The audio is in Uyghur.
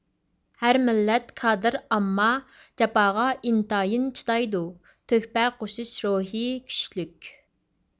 ھەر مىللەت كادىر ئامما جاپاغا ئىنتايىن چىدايدۇ تۆھپە قوشۇش روھى كۈچلۈك